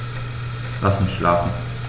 Lass mich schlafen